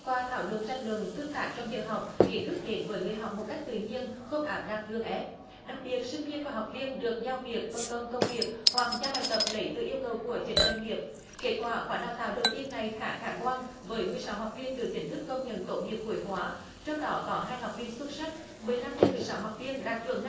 qua thảo luận tranh luận tương tác trong giờ học kiến thức đến với người học một cách tự nhiên không áp đặt gượng ép đặc biệt sinh viên và học viên được giao việc phân công công việc hoặc giao bài tập lấy từ yêu cầu của chính doanh nghiệp kết quả khóa đào tạo đầu tiên này khá khả quan với mười sáu học viên được chính thức công nhận tốt nghiệp cuối khóa trong đó có hai học viên xuất sắc mười lăm trên mười sáu học viên đạt chuẩn